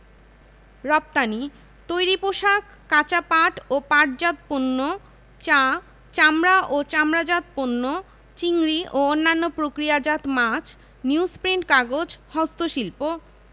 রপ্তানিঃ তৈরি পোশাক কাঁচা পাট ও পাটজাত পণ্য চা চামড়া ও চামড়াজাত পণ্য চিংড়ি ও অন্যান্য প্রক্রিয়াজাত মাছ নিউজপ্রিন্ট কাগজ হস্তশিল্প